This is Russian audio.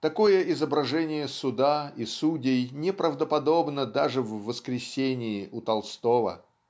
Такое изображение суда и судей неправдоподобно даже в "Воскресении" у Толстого